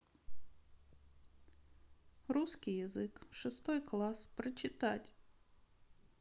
русский язык шестой класс прочитать